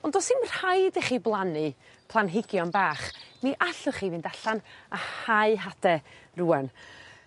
Ond do's 'im rhaid i chi blannu planhigion bach mi allwch chi fynd allan a hau hade rŵan.